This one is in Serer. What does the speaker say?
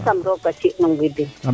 yaasam roga ci 'ong o ngidim